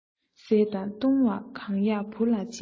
བཟས དང བཏུང བ གང ཡག བུ ལ སྦྱིན